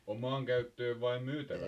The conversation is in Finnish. omaan käyttöön vai myytäväksi